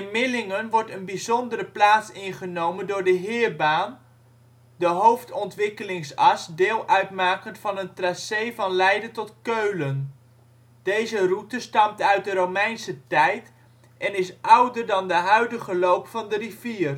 Millingen wordt een bijzondere plaats ingenomen door de Heerbaan, de hoofdontwikkelingsas deel uitmakend van een tracé van Leiden tot Keulen. Deze route stamt uit de Romeinse tijd en is ouder dan de huidige loop van de rivier